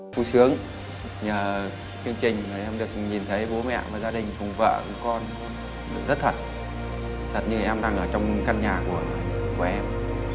vui sướng nhờ chương trình mà em được nhìn thấy bố mẹ và gia đình cùng vợ cùng con rất thật thật như em đang ở trong căn nhà của của em